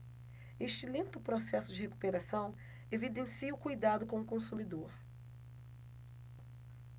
este lento processo de recuperação evidencia o cuidado com o consumidor